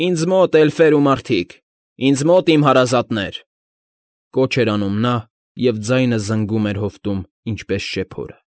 Ինձ մոտ, էլֆեր ու մարդիկ։ Ինձ մոտ, իմ հարազատներ…֊ կոչ էր անում նա, և ձայնը զնգում էր հովտում, ինչպես շեփորը։